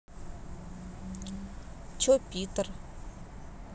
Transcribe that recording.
че питер